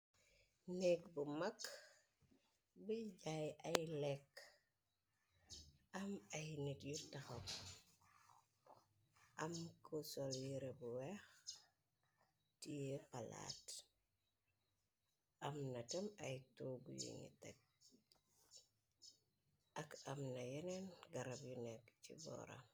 Nekk bu mag biy jaay ay lekk am ay nit yi taxaw am ko sol yirebu weex tie palaat am na tem ay togg yu ngi teg ak am na yeneen garab yu nekk ci booram.